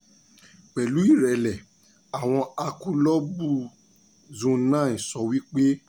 Pẹ̀lú ìrẹ̀lẹ̀, àwọn akọbúlọ́ọ̀gù Zone9 sọ wípé: